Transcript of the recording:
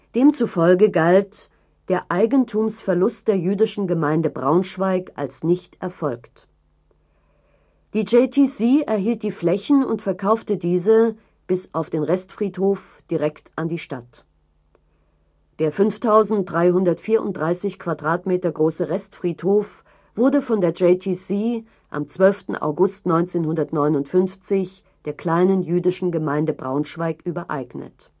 Demzufolge galt „ der Eigentumsverlust der Jüdischen Gemeinde Braunschweig … als nicht erfolgt “. Die JTC erhielt die Flächen und verkaufte diese, bis auf den Restfriedhof, direkt an die Stadt. Der 5.334 m² große Restfriedhof wurde von der JTC am 12. August 1959 der kleinen Jüdischen Gemeinde Braunschweig übereignet